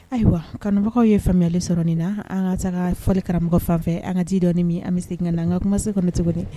Ayiwa karamɔgɔw ye faamuyali sɔrɔ nin na an ka taga fɔli karamɔgɔ fan fɛ an ka ji dɔni min an bɛ segin ka na an ka kumaso kɔnɔ tuguni.